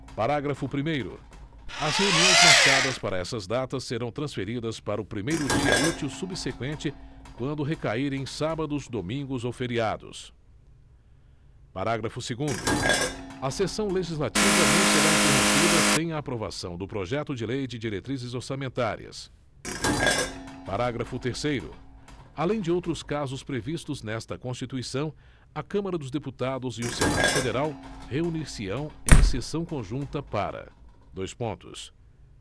parágrafo primeiro as reuniões marcadas para essas datas serão transferidas para o primeiro dia útil subseqüente quando recaírem em sábados domingos ou feriados parágrafo segundo a sessão legislativa não será interrompida sem a aprovação do projeto de lei de diretrizes orçamentárias parágrafo terceiro além de outros casos previstos nesta constituição a câmara dos deputados e o senado federal reunir se ão em sessão conjunta para dois pontos